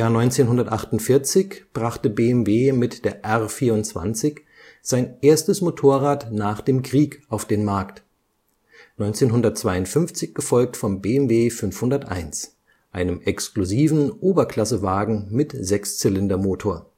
1948 brachte BMW mit der R 24 sein erstes Motorrad nach dem Krieg auf den Markt, 1952 gefolgt vom BMW 501, einem exklusiven Oberklassewagen mit Sechszylindermotor